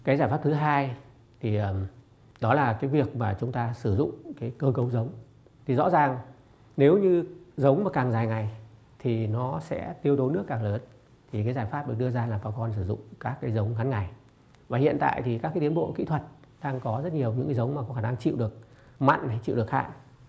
cái giải pháp thứ hai thì ờ đó là cái việc mà chúng ta sử dụng để cơ cấu giống thì rõ ràng nếu như giống và càng dài ngày thì nó sẽ tiêu tốn nước càng lớn thì cái giải pháp được đưa ra là bà con sử dụng các cái giống ngắn ngày và hiện tại thì các tiến bộ kỹ thuật đang có rất nhiều những cái giống và có khả năng chịu được mặn này chịu được hạn